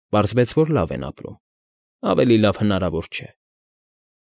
Պարզվեց, որ լավն են ապրում, ավելի լավ հնարավոր չէ։